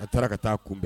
A taara ka ta'a kunbɛn